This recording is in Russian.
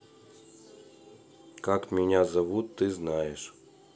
как меня зовут ты знаешь